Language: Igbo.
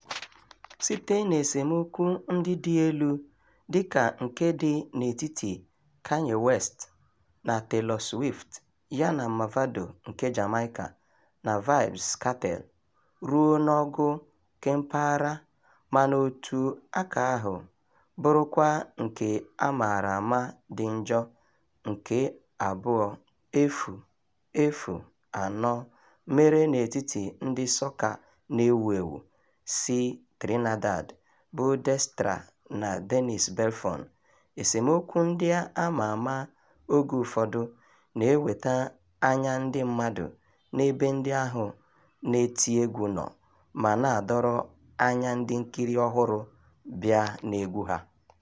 Site n'esemokwu ndị dị elu dịka nke dị n'etiti Kanye West na Taylor Swift yana Mavado nke Jamaica na Vybz Kartel, ruo n'ọgụ kempaghara mana n’otu aka ahụ bụrụkwa nke a mara ama dị njọ nke 2004 mere n’etiti ndị sọka na-ewu ewu si Trinidad bụ Destra na Denise Belfon, esemokwu ndị a ma ama oge ụfọdụ na-eweta anya ndị mmadụ n’ebe ndị ahụ na-eti egwu nọ ma na-adọrọ anya ndị nkiri ọhụrụ bịa n’egwu ha.